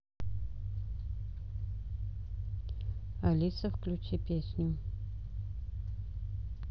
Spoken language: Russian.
алиса включи песню